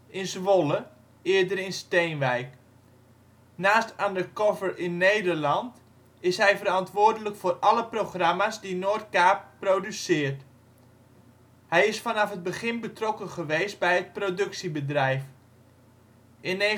in Zwolle (eerder in Steenwijk). Naast Undercover in Nederland is hij verantwoordelijk voor alle programma 's die Noordkaap produceert. Hij is vanaf het begin betrokken geweest bij het productiebedrijf. In 1998